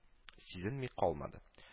Сизенми калмады